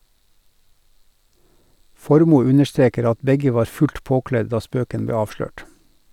Formoe understreker at begge var fullt påkledd da spøken ble avslørt.